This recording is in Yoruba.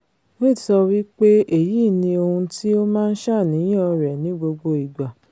Wade sowí pé ''Èyí ní ohun ti ó ma ńṣàníyàn rẹ̀ ní gbogbo igbà,'̣.